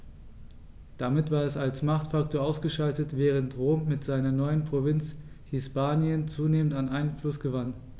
Damit war es als Machtfaktor ausgeschaltet, während Rom mit seiner neuen Provinz Hispanien zunehmend an Einfluss gewann.